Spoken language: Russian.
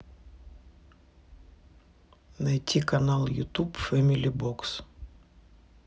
найти канал ютуб фэмили бокс